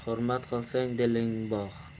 hurmat qilsang diling bog'